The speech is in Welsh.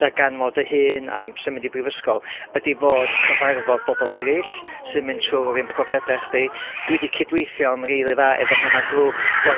darganfod dy hun a yym symud i brifysgol ydi fod cyfarfod bobol eryll sy'n mynd trw' yr un profiada' a chdi. Dwi 'di cydweithio yn rili dda efo ma' 'na grŵp... Wel,